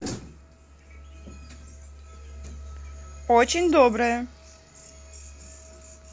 очень доброе